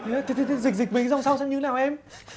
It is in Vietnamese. thế thế thế dịch dịch mấy cái dòng sau xem như nào em